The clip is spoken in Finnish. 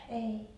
ei